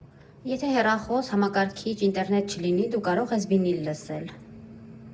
Եթե հեռախոս, համակարգիչ, ինտերնետ չլինի, դու կարող ես վինիլ լսել։